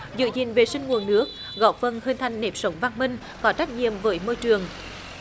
giữ gìn vệ sinh nguồn nước góp phần hình thành nếp sống văn minh có trách nhiệm với môi trường